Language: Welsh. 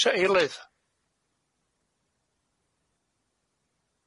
'Sa eilydd?